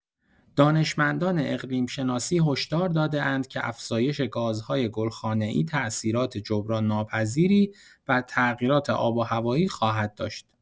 دانشمندان اقلیم‌شناسی هشدار داده‌اند که افزایش گازهای گلخانه‌ای تاثیرات جبران‌ناپذیری بر تغییرات آب‌وهوایی خواهد داشت.